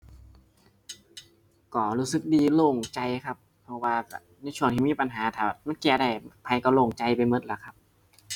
ก็รู้สึกดีโล่งใจครับ เพราะว่าก็ในช่วงที่มีปัญหาถ้ามันแก้ได้ไผก็โล่งใจไปก็ล่ะครับ